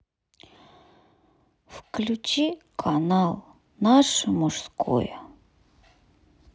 включи канал наше мужское